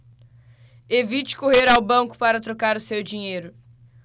evite correr ao banco para trocar o seu dinheiro